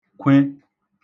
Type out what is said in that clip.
k̇we